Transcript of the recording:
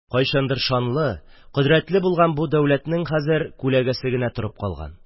Кайчандыр шанлы, кодрәтле булган бу дәүләтнең хәзер күләгәсе генә торып калган.